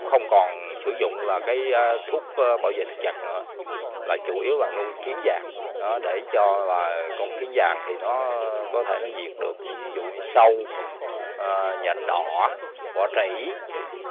không còn sử dụng là cái thuốc bảo vệ thực vật nữa là chủ yếu là nuôi kiến dàng đó để cho là còn kiến dàng thì nó có thể nói diệt được dí dụ như sâu nhện đỏ bọ trĩ